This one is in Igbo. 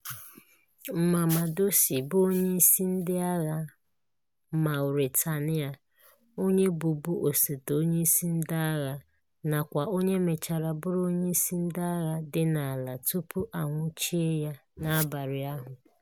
Mamadou Sy bụ onyeisi ndị agha Mauritania, onye bụbu osote onyeisi ndị agha, nakwa onye mechara bụrụ onyeisi ndị agha dị n'ala tupu a nwụchie ya n'abalị ahụ.